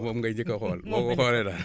moom ngay njëkk a xool boo ko xoolee daal